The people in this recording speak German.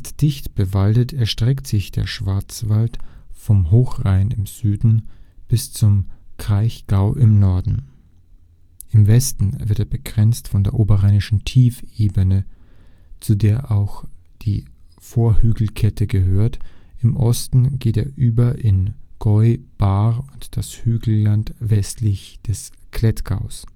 dicht bewaldet erstreckt sich der Schwarzwald vom Hochrhein im Süden bis zum Kraichgau im Norden. Im Westen wird er begrenzt von der Oberrheinischen Tiefebene (zu der naturräumlich auch die Vorhügelkette gehört), im Osten geht er über in Gäu, Baar und das Hügelland westlich des Klettgaus